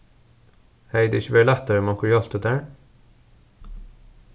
hevði tað ikki verið lættari um onkur hjálpti tær